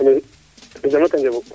jam rek a njegu